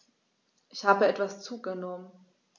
Ich habe etwas zugenommen